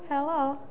Helo!